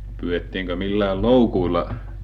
pyydettiinkö millään loukuilla